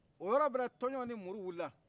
o yɔrɔ bɛɛ la tɔnjɔnw ni muru wilila